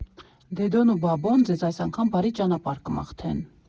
«Դեդոն ու Բաբոն» ձեզ այս անգամ բարի ճանապարհ կմաղթեն։